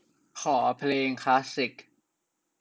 ขอเพลงคลาสสิค